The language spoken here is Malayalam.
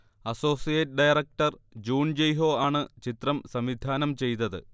അസോസിയേറ്റ് ഡയറക്ടർ ജൂൻ ജയ്ഹോ ആണ് ചിത്രം സംവിധാനം ചെയ്തത്